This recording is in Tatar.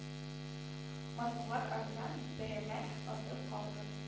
Матбугат- арзан бәягә язылып калыгыз